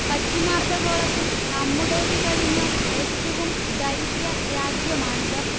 പശ്ചിമാർധ ഗോളത്തിൽ നമ്മുടേത് കഴിഞ്ഞാൽ ഏറ്റവും ദരിദ്ര രാജ്യമാണിത്